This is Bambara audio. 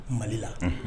Mali la.